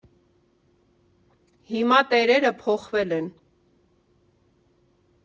Հիմա տերերը փոխվել են։